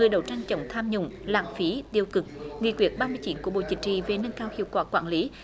người đấu tranh chống tham nhũng lãng phí tiêu cực nghị quyết ba mươi chín của bộ chính trị về nâng cao hiệu quả quản lý